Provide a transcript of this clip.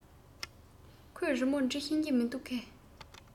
ཁོས རི མོ འབྲི ཤེས ཀྱི མིན འདུག གས